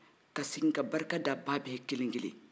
ka segi ka barika da ba bɛɛ kelen-kelen